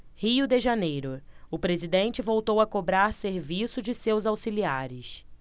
rio de janeiro o presidente voltou a cobrar serviço de seus auxiliares